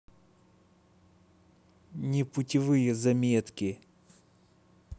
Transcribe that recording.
непутевые заметки